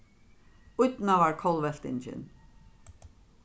ídnaðarkollveltingin